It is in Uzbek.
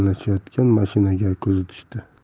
yaqinlashayotgan mashinaga ko'zi tushdi